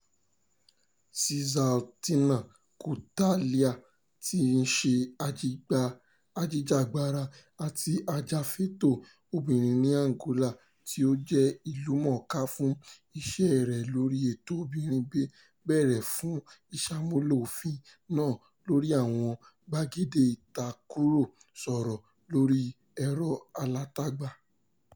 Sizaltina Cutaia, tí í ṣe ajìjàgbara àti ajàfẹ́tọ̀ọ́ obìnrin ní Angola; tí ó jẹ́ ìlúmọ̀ọ́ká fún iṣẹ́ẹ rẹ̀ lórí ẹ̀tọ́ obìnrin béèrè fún ìṣàmúlò òfin náà lórí àwọn gbàgede ìtàkùrọ̀sọ lórí ẹ̀rọ-alátagbà: